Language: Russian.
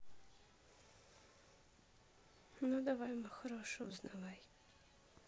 ну давай мой хороший узнавай